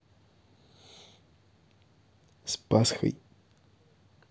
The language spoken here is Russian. с пасхой